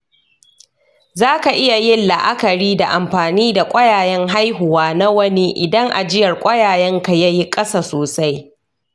za ka iya yin la’akari da amfani da ƙwayayen haihuwa na wani idan ajiyar ƙwayayen ka ya yi ƙasa sosai.